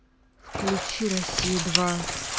включи россия два